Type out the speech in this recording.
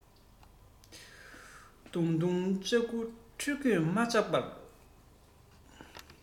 བརྡུངས བརྡུངས ལྕག ཡུ ཁྱི མགོས མ བཅག པར